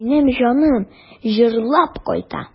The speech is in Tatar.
Минем җаным җырлап кайта.